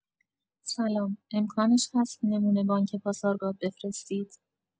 سلام امکانش هست نمونه بانک پاسارگارد بفرستید؟